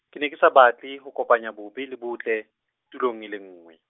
ke ne ke sa batle, ho kopanya bobe le botle, tulong e le nngwe.